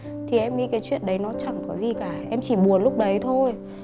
thì em nghĩ cái chuyện đấy nó chẳng có gì cả em chỉ buồn lúc đấy thôi